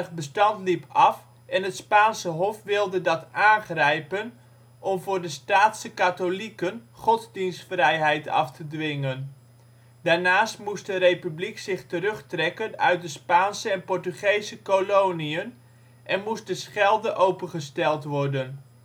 Bestand liep af en het Spaanse hof wilde dat aangrijpen om voor de Staatse katholieken godsdienstvrijheid af te dwingen. Daarnaast moest de Republiek zich terugtrekken uit de Spaanse en Portugese koloniën en moest de Schelde opengesteld worden